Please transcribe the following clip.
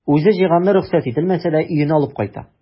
Үзе җыйганны рөхсәт ителмәсә дә өенә алып кайта.